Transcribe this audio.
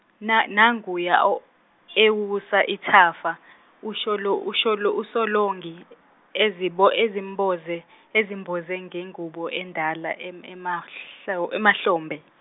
na- nanguya ew- ewusa ithafa, uSholo- uSholo- uSolongi, ezimbo- ezimboze- ezimboze ngengubo endala ema- emahlo- emahlombe.